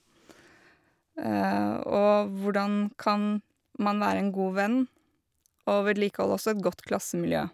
Og hvordan kan man være en god venn, og vedlikeholde også et godt klassemiljø.